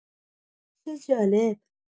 چه جالب!